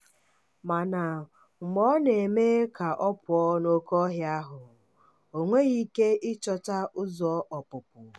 Mana, mgbe ọ na-eme ka ọ pụọ n'oke ọhịa ahụ, o nweghi ike ịchọta ụzọ ọpụpụ.